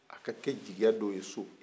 a ka kɛ jigiya dɔ ye so